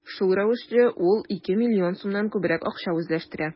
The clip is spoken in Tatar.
Шул рәвешле ул ике миллион сумнан күбрәк акча үзләштерә.